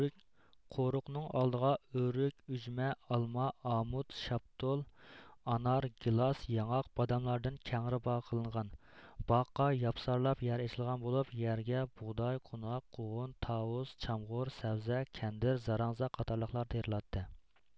قورۇقنىڭ ئالدىغا ئۆرۈك ئۈجمە ئالما ئامۇت شاپتۇل ئانار گىلاس ياڭاق باداملاردىن كەڭرى باغ قىلىنغان باغقا ياپسارلاپ يەر ئېچىلغان بولۇپ يەرگە بۇغداي قوناق قوغۇن تاۋۇز چامغۇر سەۋزە كەندىر زاراڭزا قاتارلىقلار تېرىلاتتى